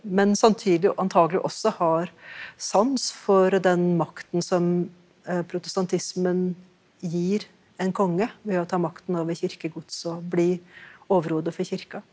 men samtidig antagelig også har sans for den makten som protestantismen gir en konge ved å ta makten over kirkegods og bli overhode for kirka.